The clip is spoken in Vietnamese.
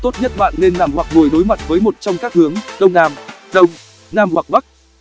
tốt nhất bạn nên nằm hoặc ngồi đối mặt với một trong các hướng đông nam đông nam hoặc bắc